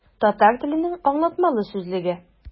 Татар теленең аңлатмалы сүзлеге.